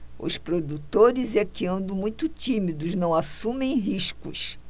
os produtores é que andam muito tímidos não assumem riscos